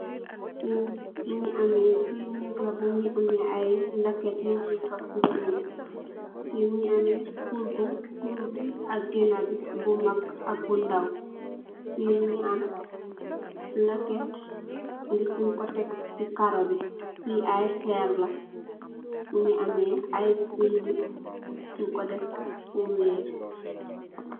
Fii mungy ameh, fii nehgg la, mungy ameh aiiy lahket yungh wehkah fuu njull, fii mungy ameh kudu, kurr bii ak gehnah bii bu mak ak bu ndaw, fii mungy am lehket, nitt munkoh tek cii kaaroh bii, fii aiiy kherre la, mungy ameh aiiy bindue, njung kor deff fu wekh.